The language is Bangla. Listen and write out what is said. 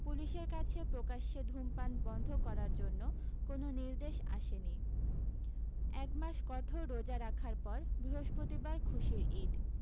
পুলিশের কাছে প্রকাশ্যে ধূমপান বন্ধ করার জন্য কোনও নির্দেশ আসেনি একমাস কঠোর রোজা রাখার পর বৃহস্পতিবার খুশির ঈদ